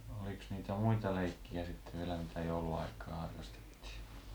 olikos niitä muita leikkejä sitten vielä mitä jouluaikaan harrastettiin